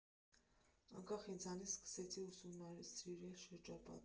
Անկախ ինձանից՝ սկսեցի ուսումնասիրել շրջապատս։